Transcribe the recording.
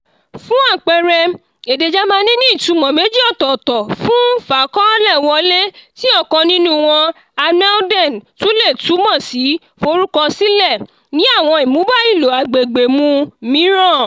Fún àpẹẹrẹ, èdè German ní ìtumọ̀ méjì ọ̀tọ̀ọ̀tọ̀ fún "Fàkọọ́lẹ̀ wọlé", tí ọ̀kan nínú wọn (anmelden) tún lè túmọ̀ sí "Forúkọ sílẹ̀" ní àwọn ìmúbá-ìlò-agbègbèmu mìíràn